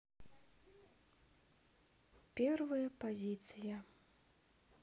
первая позиция